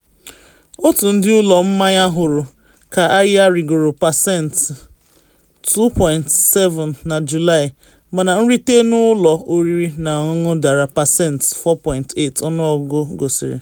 Otu ndị ụlọ mmanya hụrụ ka ahịa rịgoro pasentị 2.7 na Julaị - mana nrite n’ụlọ oriri na ọṅụṅụ dara pasentị 4.8, ọnụọgụ gosiri.